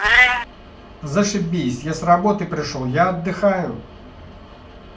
зашибись я с работы пришел я отдыхаю